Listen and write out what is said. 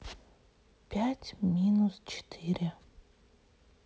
пять минус четыре